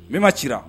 Nben ma cira